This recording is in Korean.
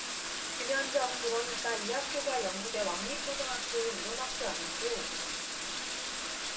김현정 그러니까 이 학교가 영국의 왕립고등학교 이런 학교 아니죠